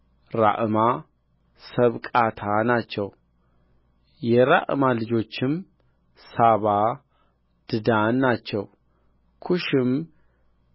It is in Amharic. ራዕማ ሰበቃታ ናቸው የራዕማ ልጆችም ሳባ ድዳን ናቸው ኩሽም